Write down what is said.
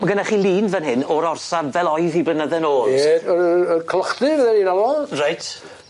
Ma' gynnoch chi lun fan hyn o'r orsaf fel oedd i blynydde nôl? Ie yr yy yy y colchdy fydde ni'n alw fo. Reit.